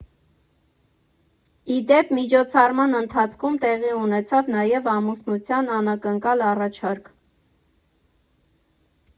Ի դեպ, միջոցառման ընթացքում տեղի ունեցավ նաև ամուսնության անակնկալ առաջարկ.